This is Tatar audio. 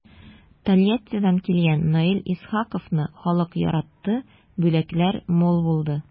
Тольяттидан килгән Наил Исхаковны халык яратты, бүләкләр мул булды.